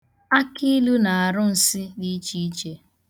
Akịilu na-arụ nsị dị iche iche.